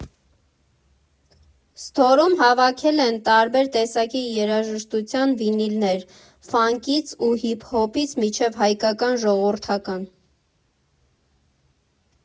Սթորում հավաքել են տարբեր տեսակի երաժշտության վինիլներ՝ ֆանքից ու հիփ֊հոփից մինչև հայկական ժողովրդական։